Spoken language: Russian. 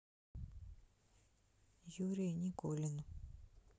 юрий никулин